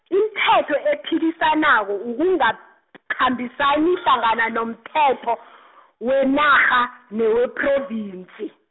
imithetho ephikisanako, ukungakhambisani hlangana nomthetho , wenarha newePhrovinsi.